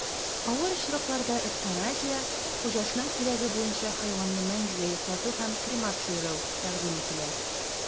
Авыр очракларда эвтаназия (хуҗасының теләге буенча хайванны мәңгегә йоклату һәм кремацияләү) тәкъдим ителә.